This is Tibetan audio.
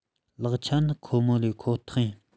ལེགས ཆ ནི ཁོ མོ ལས ཁོ ཐག ཡིན